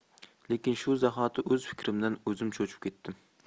lekin shu zahoti o'z fikrimdan o'zim cho'chib ketdim